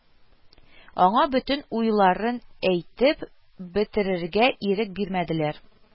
Аңа бөтен уйларын әйтеп бетерергә ирек бирмәделәр